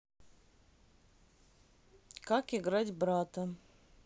как играть брата